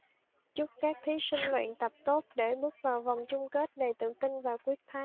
chúc các thí sinh luyện tập tốt để bước vào vòng chung kết đầy tự tin và quyết thắng